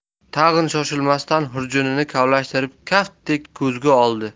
tag'in shoshilmasdan hurjunini kavlashtirib kaftdek ko'zgu oldi